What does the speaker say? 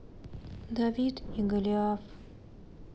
давид и голиаф